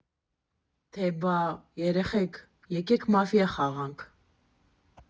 Թե բա՝ «երեխեք, եկեք մաֆիա խաղանք»։